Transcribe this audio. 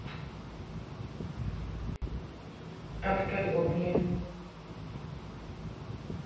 а поподробнее